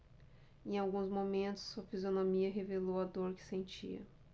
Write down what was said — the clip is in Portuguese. em alguns momentos sua fisionomia revelou a dor que sentia